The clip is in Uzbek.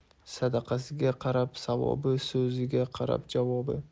sadaqasiga qarab savobi so'ziga qarab javobi